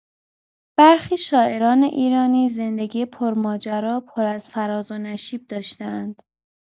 برخی شاعران ایرانی زندگی پرماجرا و پر از فراز و نشیب داشته‌اند.